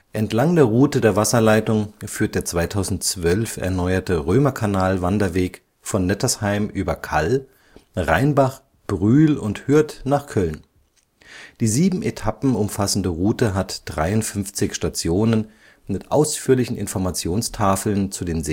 Entlang der Route der Wasserleitung führt der 2012 erneuerte Römerkanal-Wanderweg von Nettersheim über Kall, Rheinbach, Brühl und Hürth nach Köln. Die 7 Etappen umfassende Route hat 53 Stationen mit ausführlichen Informationstafeln zu den